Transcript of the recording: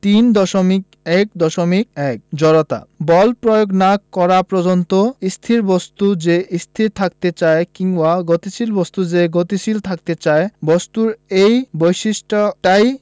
৩.১.১ জড়তা বল প্রয়োগ না করা পর্যন্ত স্থির বস্তু যে স্থির থাকতে চায় কিংবা গতিশীল বস্তু যে গতিশীল থাকতে চায় বস্তুর এই বৈশিষ্ট্যটাই